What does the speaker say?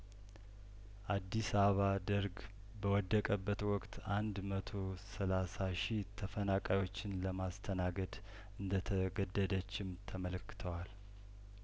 አዲስ አባ ደርግ በወደቀበት ወቅት አንድ መቶ ሰላሳ ሺህ ተፈናቃዮችን ለማስተናገድ እንደተገደደችም ተመልክተዋል